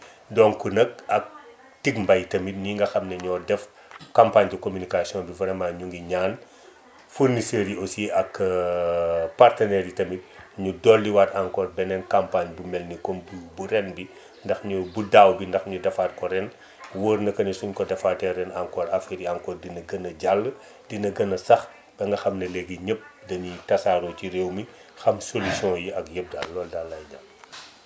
donc nag ak Ticmaby tamit mii nga xam ne ñoo def campagne de communication bi vraiment ñu ngi ñaan fournisseurs yi aussi ak partenaires yi tamit ñu dolliwaat encore beneen campagne bu mel ni comme bu bu ren bi ndax ñu bu daaw bi ndax ñu defaat ko ren wóor na ko ne suñ ko defaatee ren encore affaire yi encore dina gën a jàll dina gën a sax ba nga xam ne léegi ñëpp dañuy tasaaroo ci réew mi xam solution yi ak yëpp daalloolu daal laay ñaan